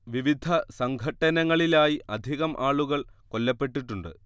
വിവിധ സംഘട്ടനങ്ങളിലായി അധികം ആളുകൾ കൊല്ലപ്പെട്ടിട്ടുണ്ട്